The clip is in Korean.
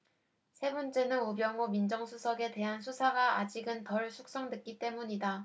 세 번째는 우병우 민정수석에 대한 수사가 아직은 덜 숙성됐기 때문이다